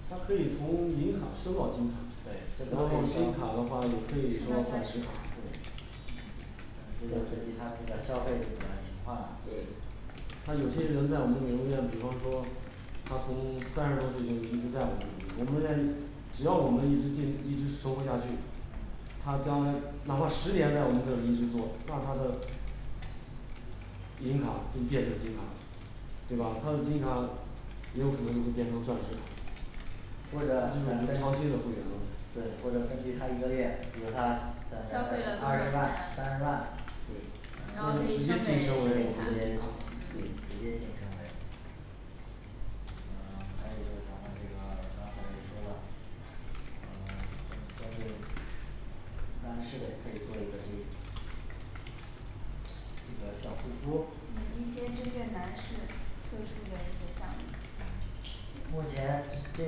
嗯他可以从银卡升到金卡对，然后这金都卡的话也可可以以升升到到升钻钻石石卡卡，对嗯这就涉及他们的消费这个情况对他有些人在我们美容院，比方说他从三十多岁就一直在我们美容院一只要我们一直进一直存活下去啊他将来哪怕十年在我们这里一直做，那他的银卡就变成金卡了对吧？他的金卡也有可能就会变成钻石卡或者就是我咱们们对超低的会员啊对或者根据他一个月，比如他在消咱费这了多二少十万钱三十万然后那可以直先接给晋金升为我卡们会员卡对直嗯接晋升为呃还有就是咱们这个刚才也说了呃针针对男士也可以做一个这个一个小护肤嗯一些针对男士特殊的一些项目嗯目前这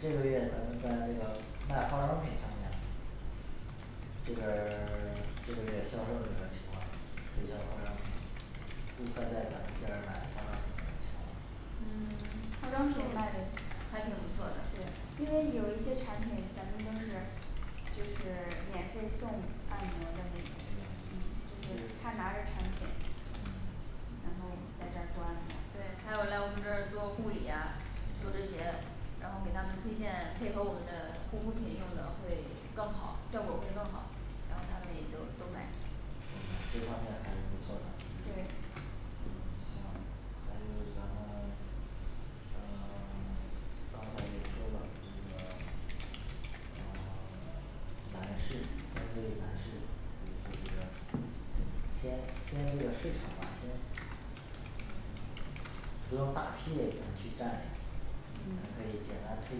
这个月咱们在这个卖化妆品上面这边儿 这个月销售怎么个情况这些化妆品顾客在咱们这儿买化妆品吗嗯 化妆品也卖的还挺不错的对因为有一些产品咱们都是就是免费送按摩的那种，嗯嗯就是他拿着产品嗯然后在这儿做按对，摩还有来我们这儿做护理呀就这些，然后给他们推荐配合我们的护肤品用的会更好效果会更好让他们也就都买嗯这方面还不错的嗯对行还有咱们呃 刚才也说了这个呃 男士专门为男士诶就是先先这个市场吧先不要大批嘞去占领我们嗯可以简单推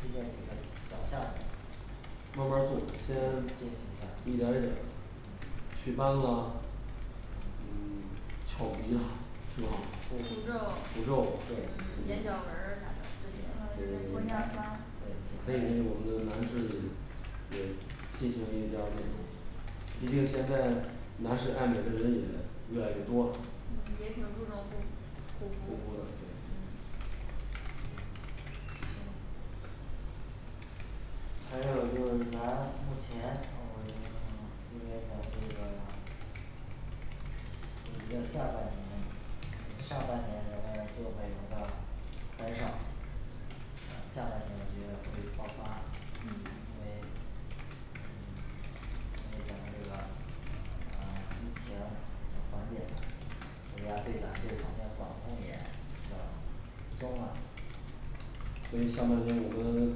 推荐几个小项目儿慢儿慢儿做先一点儿一点儿的祛斑啦嗯 翘鼻啊是吧对除皱除皱对嗯眼角纹儿啥的这些呃对对玻尿酸可以为我们的男士对推行一下那种毕竟现在男士爱美的人也越来越多嗯也挺注重护护肤肤护肤的对，嗯嗯行还有就是咱目前呃嗯因为咱们这个就是这下半年嗯上半年咱们做美容的很少下半年也会爆发嗯因为嗯 因为咱们这个呃疫情已经缓解了国家对咱这方面管控也比较松了所以下半年我们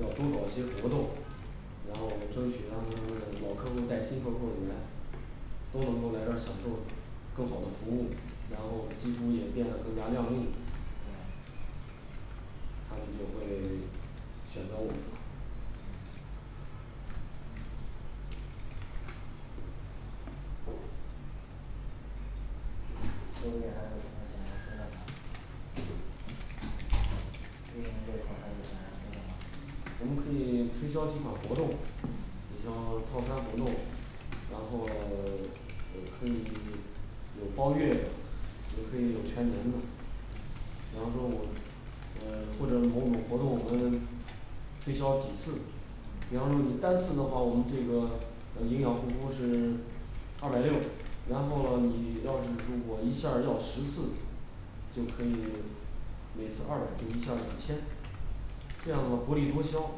要多搞一些活动然后争取他们们老客户儿带新客户儿来都能够来这儿享受更好的服务，然后肌肤也变得更加靓丽对他们就会 选择我们吧各位还有什么想要说的吗运营这边儿还有想要说的我们吗嗯可以推销几款活动，你像说套餐活动然后 也可以有包月也可以有全年的然后呃 或者某种活动我们推销几次比方说你单次的话，我们这个呃营养护肤是 二百六然后你要是说我一下儿要十次就可以每次二百就一下儿两千这样的话薄利多销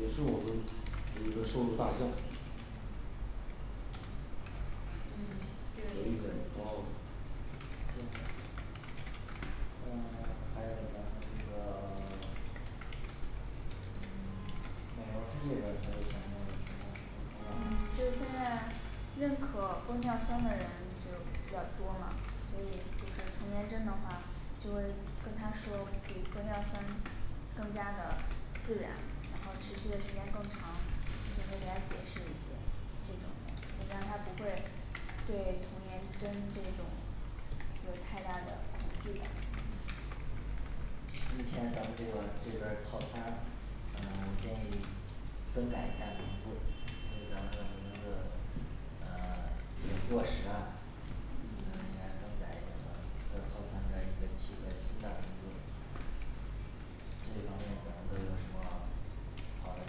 也是我们一个收入大项嗯嗯这个有也一点可儿以高嗯呃 还有咱们这个 嗯 美容师这边儿还有想要有什么补嗯充啊就是现在认可玻尿酸的人就比较多嘛，所以就是童颜针的话就会跟他说比玻尿酸更加的自然，然后持续的时间更长。可以给他解释一些这种的应该他不会对童颜针这种有太大的恐惧感嗯目前咱们这个这边儿套餐嗯 建议更改一下名字，因为咱们这个名字呃已经过时啦应该更改一下和套餐的一个起个新的名字，这方面咱们都有什么好的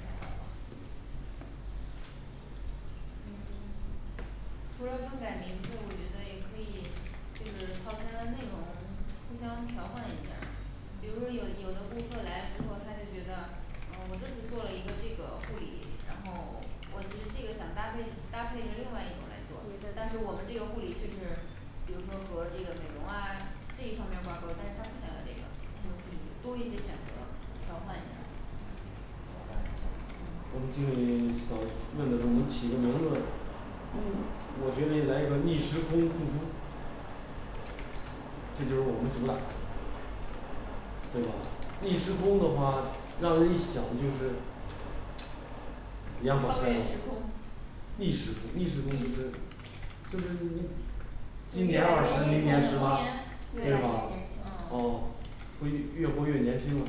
想法儿吗嗯 除了更改名字，我觉得也可以。就是套餐内容互相调换一下儿比如说有有的顾客来了之后，他就觉得嗯我这次做了一个这个护理，然后我其实这个想搭配搭配着另外一种来做对在，当但初是我们这个护理确实比如说和这个美容啊这一方面挂钩儿，但是他不想要这个就可以多一些选择。转换一下转换一下嗯我们这里 想问的是我们起一个名字嗯我觉得也来一个逆时空护肤这就是我们主打对吧逆时空的话让人一想就是延缓超衰老越时空逆时空逆时空一致就是你就今越年来二十越明看明年年年十轻八可越以来越把年轻了哦会越活越年轻了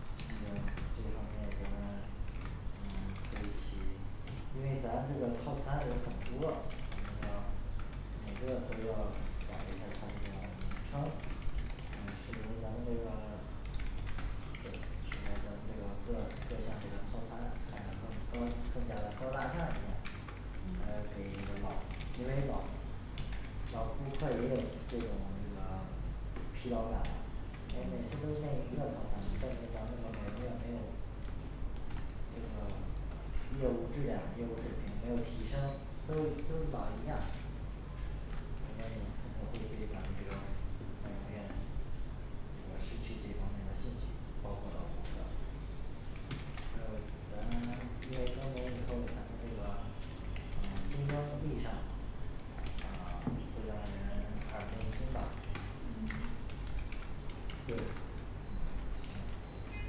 今年这方面咱们嗯对齐因为咱这个套餐有很多咱那个每个都要改一下儿它那个名称嗯涉及咱们这个这取得咱们这个各各项这个套餐看着更更加的高大上一点嗯还要给这些老因为老老顾客也有这种这个疲劳感的我每次都在一个早上看着咱们的员工没有这个业务质量业务水平没有提升，都是都是老一样人们也肯定会对咱们这个美容院这个失去这方面的兴趣包括老顾客呃咱们因为更名以后咱们这个呃精装艺上啊 会让人耳目一新吧嗯就是行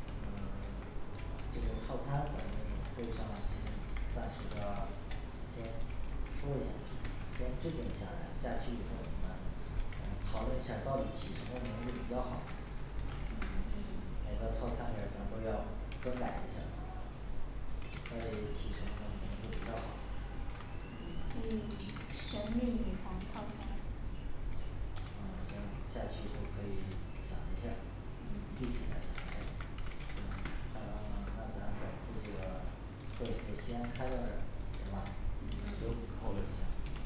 呃 这个套餐咱们会上先暂时的先说一下儿。制先制定下来，下去以后咱们讨论一下到底起什么名字比较好嗯嗯每个套餐名咱都要更改一下起什么名字比较好嗯神秘女皇套餐嗯 那下去就可以想一下儿嗯具体的想一下儿行那咱们那咱本次这个会就先开到这儿行吧嗯嗯好嘞行